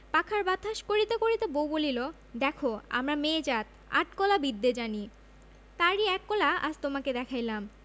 পাখার বাতাস করিতে করিতে বউ বলিল দেখ আমরা মেয়ে জাত আট কলা বিদ্যা জানি তার ই এক কলা আজ তোমাকে দেখাইলাম